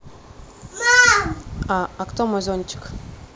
а а кто мой зонтик